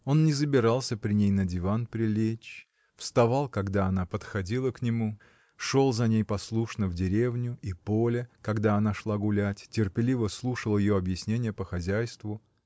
Он не забирался при ней на диван прилечь, вставал, когда она подходила к нему, шел за ней послушно в деревню и поле, когда она шла гулять, терпеливо слушал ее объяснения по хозяйству.